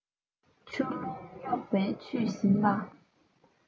ཆུ ཀླུང རྙོག པས ཆུད གཟན པ